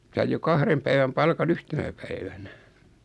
sai jo kahden päivän palkan yhtenä päivänä